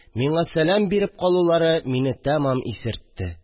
Миңа сәлам биреп калулара мине тәмам исертте